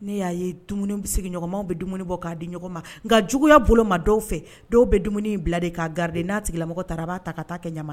Ne y'a ye dumuni sigiɲɔgɔnmaw bɛ dumuni bɔ k'a di ɲɔgɔn ma nka juguya bolo ma dɔw fɛ dɔw bɛ dumuni in bila de k ka garirden n'a sigilamamɔgɔ ta a b'a ta ka taa kɛ ɲɛ